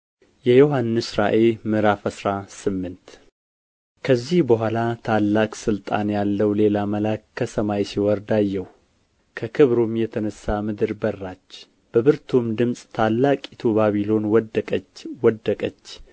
የዮሐንስ ራእይ ምዕራፍ አስራ ስምንት ከዚህ በኋላ ታላቅ ስልጣን ያለው ሌላ መልአክ ከሰማይ ሲወርድ አየሁ ከክብሩም የተነሣ ምድር በራች በብርቱም ድምፅ ታላቂቱ ባቢሎን ወደቀች ወደቀች